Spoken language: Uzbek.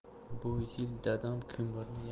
bu yil dadam ko'mirni